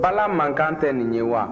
bala mankan tɛ nin ye wa